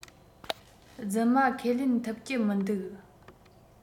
རྫུན མ ཁས ལེན ཐུབ ཀྱི མི འདུག